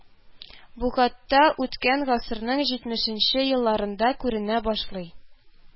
Бугатта үткән гасырның җитмешенче елларында күренә башлый,